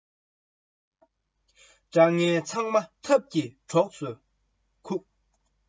འཕྲལ དང ཕུགས ཀྱི རྒྱལ ས འཛིན འདོད ན